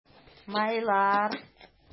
Майлар